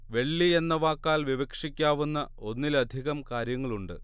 വെള്ളി എന്ന വാക്കാൽ വിവക്ഷിക്കാവുന്ന ഒന്നിലധികം കാര്യങ്ങളുണ്ട്